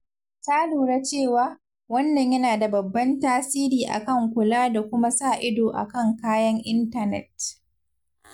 Ta lura cewa, ''Wannan yana da babban tasiri a kan kula da kuma sa-ido a kan kayan intanet.